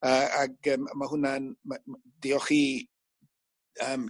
yy ag yym ma' hwnna'n ma- my- diolch i yym...